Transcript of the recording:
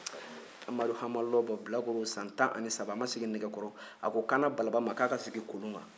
amadu hama lɔbɔ bilakoro san tan ni saba a ma siginɛgɛkɔrɔ a ko kaana balaba ma ko a ka segin kolon kan